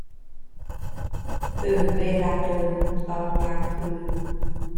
ตื่นเวลาเดิมตอนกลางคืน